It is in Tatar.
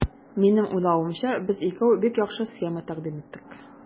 Минем уйлавымча, без икәү бик яхшы схема тәкъдим иттек.